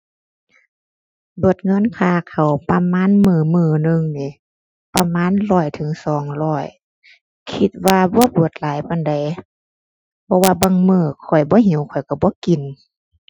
เบิดเงินค่าข้าวประมาณมื้อมื้อหนึ่งนี่ ประมาณร้อยถึงสองร้อย คิดว่าบ่เบิดหลายปานใด เพราะว่าบางมื้อข้อยบ่หิว ข้อยก็บ่กิน